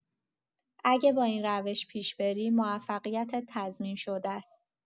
اگه با این روش پیش بری، موفقیتت تضمین‌شده ست.